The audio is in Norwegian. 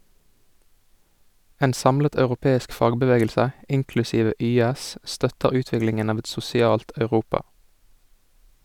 En samlet europeisk fagbevegelse, inklusive YS, støtter utviklingen av et sosialt Europa.